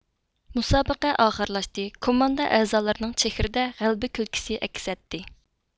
مۇسابىقە ئاخىرلاشتى كوماندا ئەزالىرىنىڭ چېھرىدە غەلىبە كۈلكىسى ئەكس ئەتتى